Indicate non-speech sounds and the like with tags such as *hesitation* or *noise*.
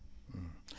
*hesitation*